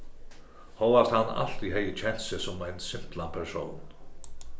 hóast hann altíð hevði kent seg sum ein simplan persón